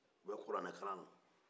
u bɛ kuranɛ kalanna